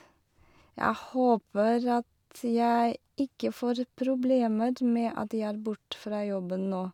Jeg håper at jeg ikke får problemer med at jeg er bort fra jobben nå.